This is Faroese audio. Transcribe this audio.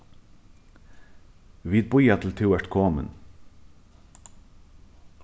vit bíða til tú ert komin